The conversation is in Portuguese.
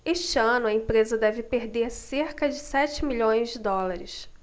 este ano a empresa deve perder cerca de sete milhões de dólares